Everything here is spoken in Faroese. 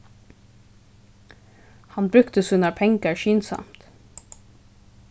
hann brúkti sínar pengar skynsamt